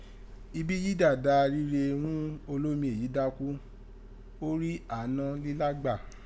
Ibi yídà da rire ghún olómi èyí dákú, ó ri àánọ́ lílá gbà.